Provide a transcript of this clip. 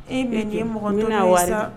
E bɛ n nin mɔgɔ min na wa